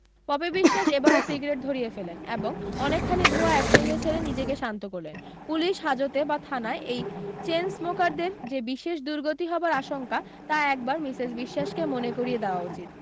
poppy Biswas এবারও cigarette ধরিয়ে ফেললেন এবং অনেকখানি ধোঁয়া একসঙ্গে ছেড়ে নিজেকে শান্ত করলেন পুলিশ হাজতে বা থানায় এই চেন স্মোকারদের যে বিশেষ দুর্গতি হবার আশঙ্কা তা একবার মিসেস বিশ্বাসকে মনে করিয়ে দেওয়া উচিত